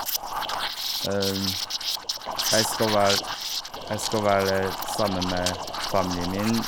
jeg skal vær Jeg skal være sammen med familien min...